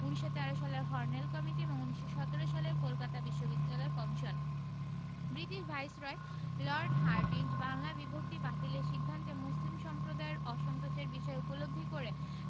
১৯১৩ সালের Hornell committee এবং ১৯১৭ সালের কলকাতা বিশ্ববিদ্যালয় commission British viceroy lord Hardinge Bangla বিভক্তি বাতিলের সিদ্ধান্তে মুসলিম সম্প্রদায়ের অসন্তোষের বিষয় উপলব্ধি করে